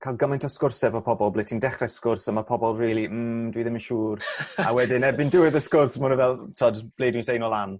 ca'l gymaint o sgwrs efo pobol ble ti'n dechre sgwrs a ma' pobol rili mm dwi ddim yn siŵr. a wedyn erbyn diwedd y sgwrs ma' n'w fel t'od ble dwi'n seino lan?